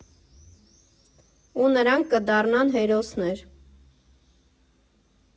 Ու նրանք կդառնան հերոսներ։